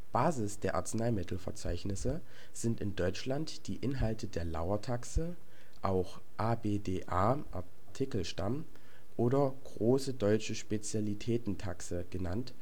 Basis der Arzneimittelverzeichnisse sind in Deutschland die Inhalte der Lauer-Taxe (auch ABDA-Artikelstamm oder Große Deutsche Spezialitätentaxe genannt